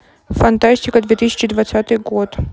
фантастика две тысячи двадцатый год